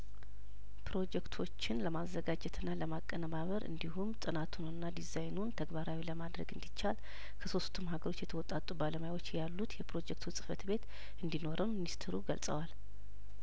ፕሮጀክቶችን ለማዘጋጀትና ለማቀነባበር እንዲሁም ጥናቱንና ዲዛይኑን ተግባራዊ ለማድረግ እንዲቻል ከሶስቱም ሀገሮች የተውጣጡ ባለሙያዎች ያሉት የፕሮጀክቱ ጽፈት ቤት እንዲኖረው ሚኒስትሩ ገልጸዋል